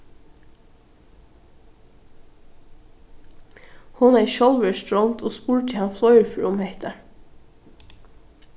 hon hevði sjálv verið strongd og spurdi hann fleiri ferð um hetta